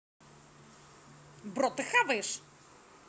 бро ты хаваешь